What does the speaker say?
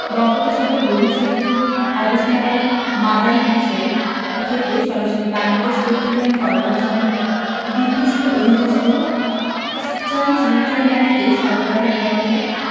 বঙ্গোপসাগরের গভীর সমুদ্রে অবস্থান করা মাদার ভেসেল থেকে সরাসরি বাংলাদেশ পেট্রোলিয়াম করপোরেশনের বিপিসি অধীনস্থ ইস্টার্ন রিফাইনারিতে সরবরাহের লক্ষ্যে